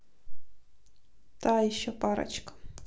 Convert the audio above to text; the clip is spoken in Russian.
та еще парочка